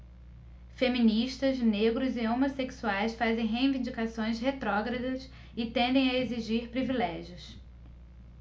feministas negros e homossexuais fazem reivindicações retrógradas e tendem a exigir privilégios